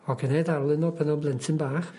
Ma' gennai darlun o pan o'n blentyn bach